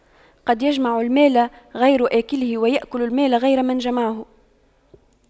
قد يجمع المال غير آكله ويأكل المال غير من جمعه